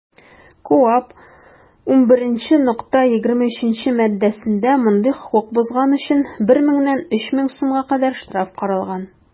КоАП 11.23 маддәсендә мондый хокук бозган өчен 1 меңнән 3 мең сумга кадәр штраф каралган.